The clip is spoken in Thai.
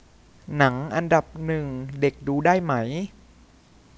หนังอันดับหนึ่งเด็กดูได้ไหม